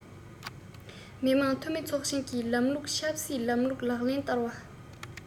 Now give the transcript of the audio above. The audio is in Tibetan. མི དམངས འཐུས མི ཚོགས ཆེན ལམ ལུགས ཀྱི ཆབ སྲིད ལམ ལུགས ལག ལེན བསྟར བ